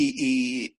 i i